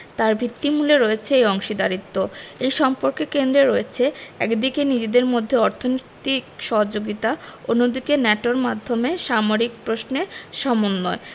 তার ভিত্তিমূলে রয়েছে এই অংশীদারত্ব এই সম্পর্কের কেন্দ্রে রয়েছে একদিকে নিজেদের মধ্যে অর্থনৈতিক সহযোগিতা অন্যদিকে ন্যাটোর মাধ্যমে সামরিক প্রশ্নে সমন্বয়